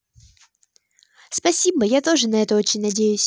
спасибо я тоже на это очень надеюсь